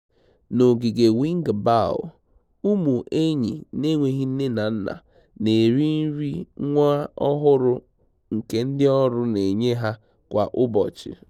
N'ogige Wingabaw, ụmụ enyi n'enweghị nne na nna na-eri nri nwa ọhụrụ nke ndịọrụ na-enye ha kwa ụbọchị.